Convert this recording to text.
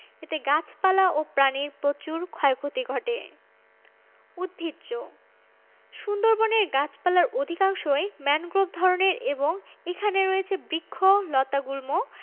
এতে গাছপালা ও প্রাণীর প্রচুর ক্ষয়ক্ষতি ঘটে উদ্ভিজ্জ সুন্দরবনের গাছপালার অধিকাংশই ম্যানগ্রোভ ধরনের এবং এখানে রয়েছে বৃক্ষ লতাগুল্ম